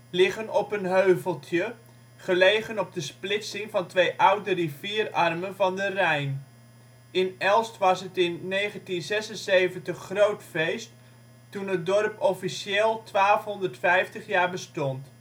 liggen op een heuveltje, gelegen op de splitsing van twee oude rivierarmen van de Rijn. In Elst was het in 1976 groot feest toen het dorp officieel 1250 jaar bestond